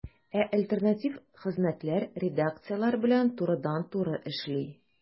Ә альтернатив хезмәтләр редакцияләр белән турыдан-туры эшли.